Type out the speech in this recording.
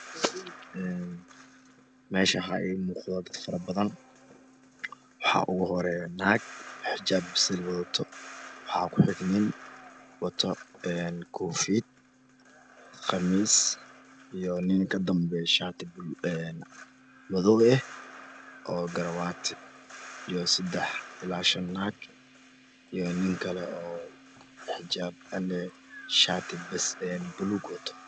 Een meeshaan waxaa ii muuqda dad faro badan waxaa oogu horeeyo naag xijaab basali wadato waxaa ku xiga nin wato een koofiyad qamiis iyo nin kadanbeeyo shaati buluug een madow ah oo garawaati iyo 3 ilaa 5 naag iyo nin kale oo xijaab aan dhahe shaati bas eh buluug wato